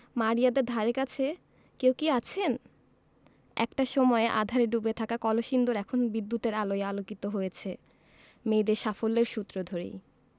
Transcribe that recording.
মারিয়াদের ধারেকাছে কেউ কি আছেন একটা সময়ে আঁধারে ডুবে থাকা কলসিন্দুর এখন বিদ্যুতের আলোয় আলোকিত হয়েছে মেয়েদের সাফল্যের সূত্র ধরেই